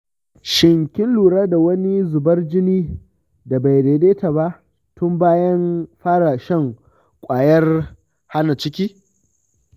shin kin lura da wani zubar jini da bai daidaita ba tun bayan fara shan kwayar hana ciki ?